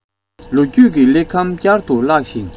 ལོ རྒྱུས ཀྱི གླེགས བམ བསྐྱར དུ བཀླགས ཤིང